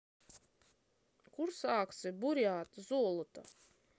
курс акций бурят золото